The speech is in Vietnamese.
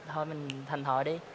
thôi mình thần thoại đi